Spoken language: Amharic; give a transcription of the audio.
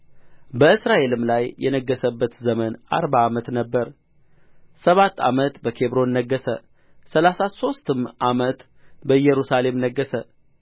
በእስራኤልም ላይ የነገሠበት ዘመን አርባ ዓመት ነበረ ሰባት ዓመት በኬብሮን ነገሠ ሠላሳ ሦስትም ዓመት በኢየሩሳሌም ነገሠ